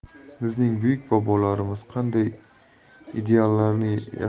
bizning buyuk bobolarimiz qanday ideallarni yashaganlarini